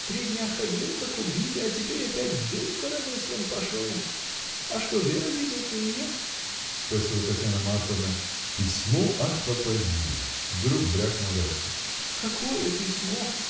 три дня ходил как убитый, а теперь опять дым коромыслом пошел!. А что Вера: видел ты ее? — спросила Татьяна Марковна. — Письмо от попадьи! — вдруг брякнул Райский. — Какое письмо?